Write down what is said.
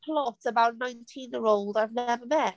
Plot about nineteen-year-old I've never met.